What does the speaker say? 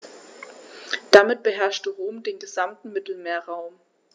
Damit beherrschte Rom den gesamten Mittelmeerraum.